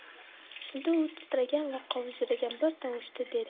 shunda u titragan va qovjiragan bir tovushda dedi